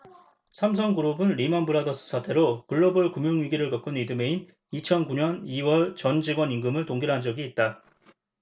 삼성그룹은 리먼브라더스 사태로 글로벌 금융위기를 겪은 이듬해인 이천 구 년 이 월 전 직원 임금을 동결한 적이 있다